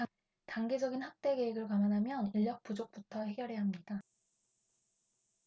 단계적인 확대 계획을 감안하면 인력 부족부터 해결해야 합니다